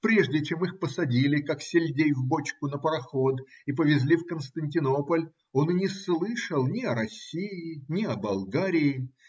Прежде чем их посадили, как сельдей в бочку, на пароход и повезли в Константинополь, он и не слышал ни о России, ни о Болгарии.